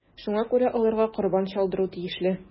Шуңа күрә аларга корбан чалдыру тиешле.